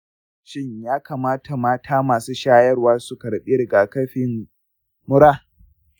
shin ya kamata mata masu shayarwa su karɓi riga-kafin mura?